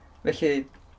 felly...